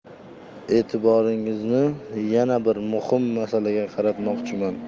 e'tiboringizni yana bir muhim masalaga qaratmoqchiman